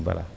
voilà